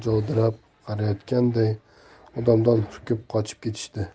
javdirab qarayotganday odamdan hurkib qochib ketishdi